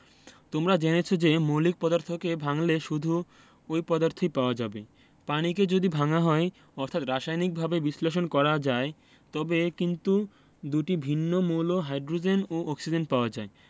তোমরা জেনেছ যে মৌলিক পদার্থকে ভাঙলে শুধু ঐ পদার্থই পাওয়া যাবে পানিকে যদি ভাঙা হয় অর্থাৎ রাসায়নিকভাবে বিশ্লেষণ করা যায় তবে কিন্তু দুটি ভিন্ন মৌল হাইড্রোজেন ও অক্সিজেন পাওয়া যায়